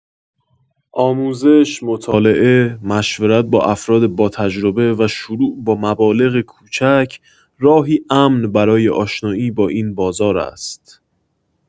آموزش، مطالعه، مشورت با افراد باتجربه و شروع با مبالغ کوچک راهی امن برای آشنایی با این بازار است.